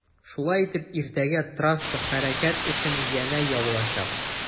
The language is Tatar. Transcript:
Шулай итеп иртәгә трасса хәрәкәт өчен янә ябылачак.